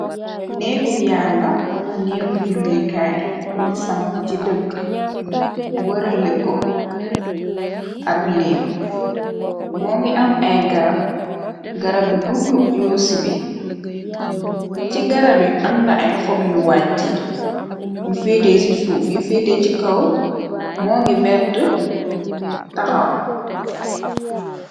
Neegu Yàlla, wala neegu julekaay, buñ sampu ci dëkk, wërale ko ab léem, moo ngi am ay garab, garab yu guddu yoo sibi, ci garab yi am na ay xob yu wàcce yu féete ci suuf, yu feete ci kaw moo ngi werte taxaw.